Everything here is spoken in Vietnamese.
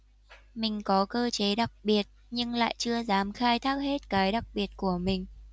mình có cơ chế đặc biệt nhưng lại chưa dám khai thác hết cái đặc biệt của mình